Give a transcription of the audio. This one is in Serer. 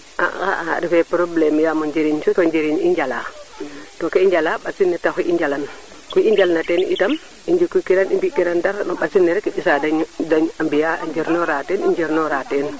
xa a refe probleme yaam o njiriñ tu o njiriñ i njala toke i njala ɓasil ne taxu i njala ku i njal na teen itam i njiku kiran i mbi kiran dara ɓasil ne rek i ɓisa de mbiya a njirñora teen i njirño ra teen